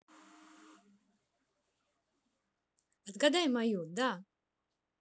отгадай мою да